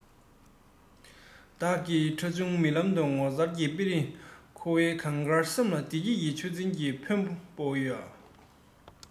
བདག གི ཁྲ ཆུང མིག ལམ དུ ངོ མཚར གྱི དཔེ རིས ཁོ བོའི གངས དཀར སེམས ལ བདེ སྐྱིད ཀྱི ཆུ འཛིན གྱི ཕོན པོ ཡ